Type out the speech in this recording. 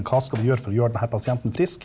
hva skal vi gjøre for å gjøre den her pasienten frisk?